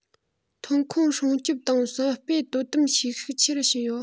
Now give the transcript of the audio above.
ཐོན ཁུངས སྲུང སྐྱོང དང གསར སྤེལ དོ དམ བྱེད ཤུགས ཆེ རུ ཕྱིན ཡོད